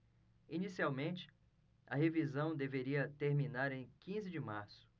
inicialmente a revisão deveria terminar em quinze de março